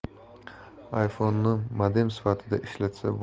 iphone'ni modem sifatida ishlatsa